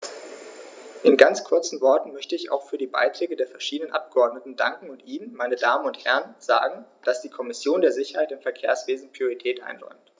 In ganz kurzen Worten möchte ich auch für die Beiträge der verschiedenen Abgeordneten danken und Ihnen, meine Damen und Herren, sagen, dass die Kommission der Sicherheit im Verkehrswesen Priorität einräumt.